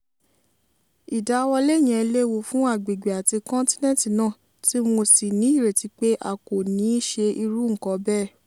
ìdáwọ́lé yẹn léwu fún agbègbè àti kọ́ńtínẹ̀tì náà tí mo sì ní ìrètí pé a kò níí ṣe irú ǹkan bẹ́ẹ̀.